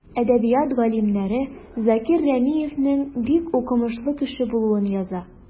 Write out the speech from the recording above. Әдәбият галимнәре Закир Рәмиевнең бик укымышлы кеше булуын яза.